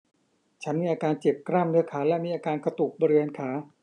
ฉันมีอาการเจ็บกล้ามเนื้อขาและมีอาการกระตุกบริเวณขา